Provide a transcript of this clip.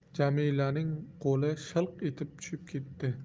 jamilaning qo'li shilq etib tushib ketdi